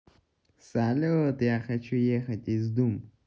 салют я хочу ехать из doom